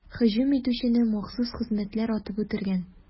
Һөҗүм итүчене махсус хезмәтләр атып үтергән.